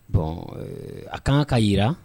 Bɔn ee a kan ka jira